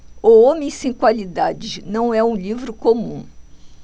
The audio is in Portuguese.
o homem sem qualidades não é um livro comum